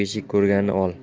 beshik ko'rganni ol